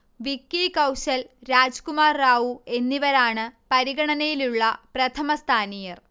വിക്കി കൗശൽ, രാജ്കുമാർ റാവു എന്നിവരാണ് പരിഗണനയിലുള്ള പ്രഥമസ്ഥാനീയർ